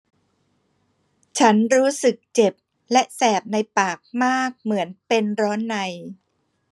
ฉันรู้สึกเจ็บและแสบในปากมากเหมือนเป็นร้อนใน